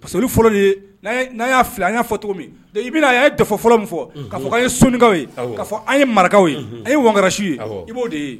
Parceri fɔlɔ n'a y'a an y'a fɔ cogo min bɛna a yefɔ fɔlɔ fɔ ka fɔ ye sunnikaw ye ka fɔ an ye marakaw ye a ye wkasi ye i b'o de ye